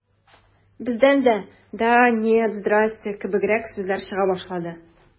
Бездән дә «да», «нет», «здрасте» кебегрәк сүзләр чыга башлады.